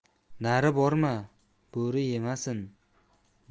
nari borma bo'ri yemasin